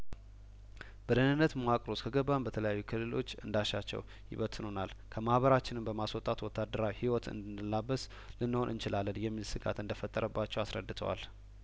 በደህንነት መዋቅር ውስጥ ከገባን በተለያዩ ክልሎች እንዳሻቸው ይበትኑናል ከማህበራችንም በማስወጣት ወታደራዊ ህይወትን እንድንላበስ ልንሆን እንችላለን የሚል ስጋት እንደፈጠረባቸው አስረድተዋል